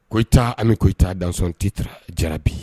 Koyita ani koyita dantita jara bi